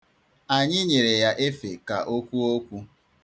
Anyị nyere ya efe ka o kwuo okwu.